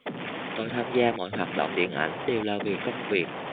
tôi tham gia mọi hoạt động điện ảnh đều là vì công việc